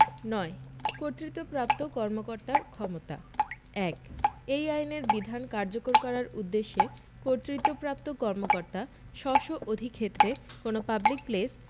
৯ কর্তৃত্বপ্রাপ্ত কর্মকর্তার ক্ষমতাঃ ১ এই আইনের বিধান কার্যকর করার উদ্দেশ্যে কর্তৃত্বপ্রাপ্ত কর্মকর্তা স্ব স্ব অধিক্ষেত্রে কোন পাবলিক প্লেস